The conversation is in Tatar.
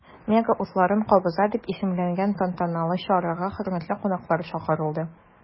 “мега утларын кабыза” дип исемләнгән тантаналы чарага хөрмәтле кунаклар чакырылды.